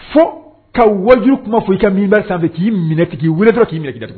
Fo ka waju kuma fɔ i ka min san k'i minɛtigi weeletɔ k'i minɛtigi